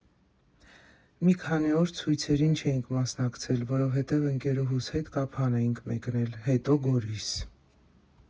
Մի քանի օր ցույցերին չէինք մասնակցել, որովհետև ընկերուհուս հետ Կապան էինք մեկնել, հետո՝ Գորիս։